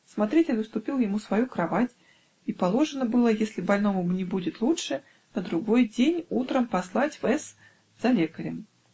смотритель уступил ему свою кровать, и положено было, если больному не будет легче, на другой день утром послать в С *** за лекарем.